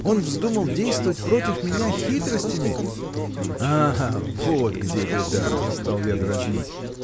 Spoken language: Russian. он вздумал действовать против меня хитростями. – А, вот где беда! – стал я дразнить.